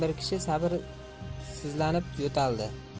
bir kishi sabr sizlanib yo'taldi